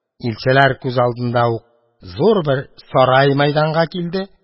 Илчеләр күз алдында ук зур бер сарай мәйданга килде.